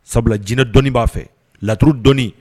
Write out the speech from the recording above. Sabula jinɛ dɔnni b'a fɛ, laturu dɔnni.